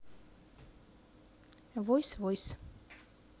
войс войс